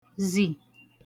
-zì